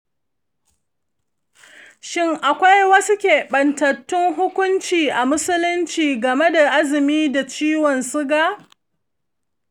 shin akwai wasu keɓantattun hukunci a musulunci game da azumi da ciwon siga?